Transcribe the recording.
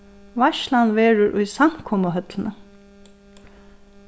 veitslan verður í samkomuhøllini